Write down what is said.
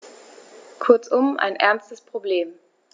Kurzum, ein ernstes Problem.